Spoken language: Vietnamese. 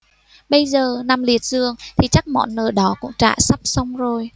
bây giờ nằm liệt giường thì chắc món nợ đó cũng trả sắp xong rồi